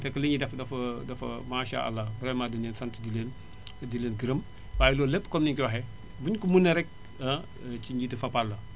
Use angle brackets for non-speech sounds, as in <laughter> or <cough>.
fekk li ñuy def dafa <hesitation> dafa <hesitation> maasaa àllaa vraiment dañ leen i sant di leen <smacks lips> di leen gërëm waaye loolu lépp comme ni ñu ko waxee bu ñu ko mënee rekk ah ci njiitu Fapal la